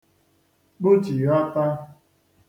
kpuchighata